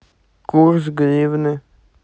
курс гривны